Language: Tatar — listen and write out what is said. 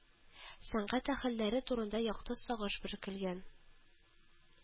Сәнгать әһелләре турында якты сагыш бөркелгән